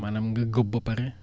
maanaam nga góob ba pare